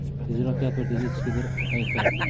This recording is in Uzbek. tezroq gapir dedi ichki bir hayqiriq